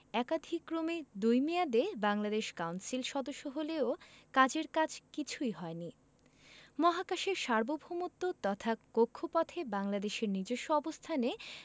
একাদিক্রমে দুই মেয়াদে বাংলাদেশ কাউন্সিল সদস্য হলেও কাজের কাজ কিছুই হয়নি মহাকাশের সার্বভৌমত্ব তথা কক্ষপথে বাংলাদেশের নিজস্ব অবস্থানে